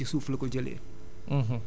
li ci ëpp ci suuf la ko jëlee